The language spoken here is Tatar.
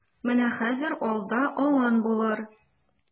Менә хәзер алда алан булыр.